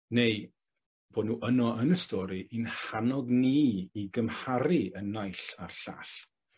neu bod nw yno yn y stori i'n hannog ni i gymharu y naill a'r llall,